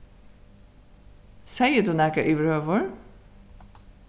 segði tú nakað yvirhøvur